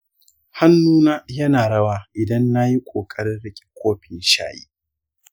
hannu na yana rawa idan nayi ƙoƙarin riƙe kopin shayi.